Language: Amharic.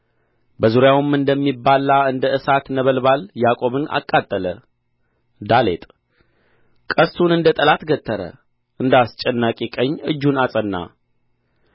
በዙሪያውም እንደሚባላ እንደ እሳት ነበልባል ያዕቆብን አቃጠለ ዳሌጥ ቀስቱን እንደ ጠላት ገተረ እንደ አስጨናቂ ቀኝ እጁን አጸና